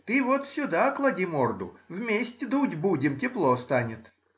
ты вот сюда клади морду, вместе дуть будем — тепло станет.